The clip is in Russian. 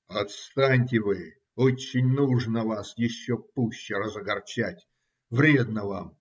- Отстаньте вы, очень нужно вас еще пуще разогорчать! Вредно вам.